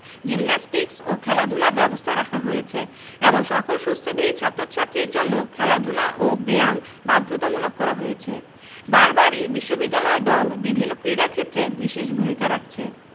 gymnastics ও খেলাধুলার ব্যবস্থা রাখা হয়েছে এবং সকল সুস্থদেহী ছাত্র ছাত্রীর জন্য খেলাধুলা ও ব্যায়াম বাধ্যতামূলক করা হয়েছে বারবারই বিশ্ববিদ্যালয় দল বিভিন্ন ক্রীড়াক্ষেত্রে বিশেষ ভূমিকা রাখছে